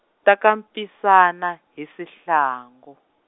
ta ka Mpisane hi Sihlangu.